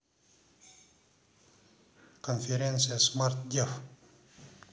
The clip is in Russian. конференция смарт дев